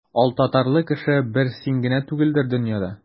Алтатарлы кеше бер син генә түгелдер дөньяда.